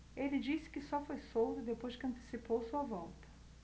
ele disse que só foi solto depois que antecipou sua volta